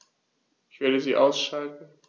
Ich werde sie ausschalten